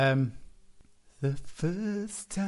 Yym, the first time.